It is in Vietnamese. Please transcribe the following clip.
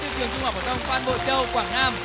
học phổ thông phan bội châu quảng nam